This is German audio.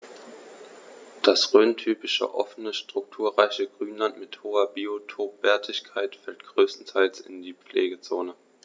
Das rhöntypische offene, strukturreiche Grünland mit hoher Biotopwertigkeit fällt größtenteils in die Pflegezone.